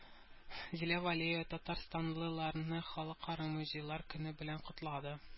Зилә Вәлиева татарстанлыларны Халыкара музейлар көне белән котлады